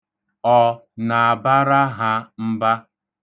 Ọ na-abara ha mba?